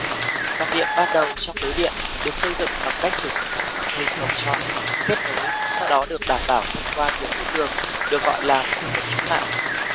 dòng điện ban đầu trong lưới điện được xây dựng bằng cách sử dụng một mô hình vòng tròn kết nối sau đó được đảm bảo thông qua nhiều tuyến đường được gọi là một cấu trúc mạng